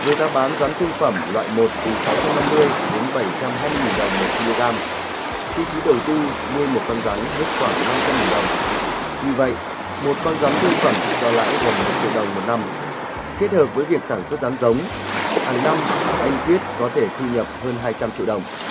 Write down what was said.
với giá bán rắn thương phẩm loại một từ sáu trăm năm mươi đến bảy trăm hai mươi nghìn đồng một ki lô gam chi phí đầu tư nuôi một con rắn hết khoảng năm trăm nghìn đồng như vậy một con rắn thương phẩm cho lãi gần một triệu đồng một năm kết hợp với việc sản xuất rắn giống hàng năm anh quyết có thể thu nhập hơn hai trăm triệu đồng